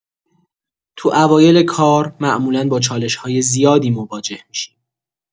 تو اوایل کار، معمولا با چالش‌های زیادی مواجه می‌شیم.